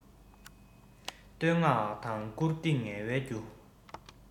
བསྟོད བསྔགས དང བཀུར བསྟི ངལ བའི རྒྱུ